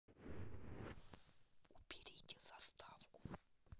уберите заставку